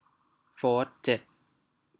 โฟธเจ็ด